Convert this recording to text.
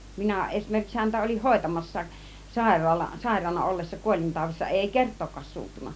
minä esimerkiksi häntä olin hoitamassakin - sairaana ollessa kuolintaudissa ei kertaakaan suuttunut